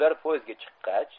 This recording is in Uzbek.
ular poezdga chiqqach